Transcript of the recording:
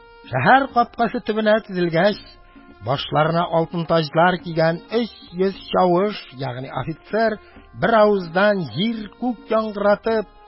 Шәһәр капкасы төбенә тезелгәч, башларына алтын таҗлар кигән өч йөз чавыш, ягъни офицер, беравыздан, җир-күк яңгыратып: